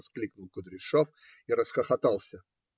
- воскликнул Кудряшов и расхохотался.